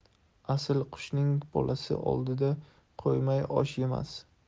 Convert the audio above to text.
asl qushning bolasi oldiga qo'ymay osh yemas